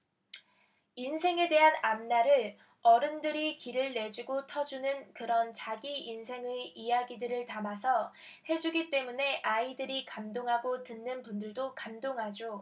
인생에 대한 앞날을 어른들이 길을 내주고 터주는 그런 자기 인생의 이야기들을 담아서 해주기 때문에 아이들이 감동하고 듣는 분들도 감동하죠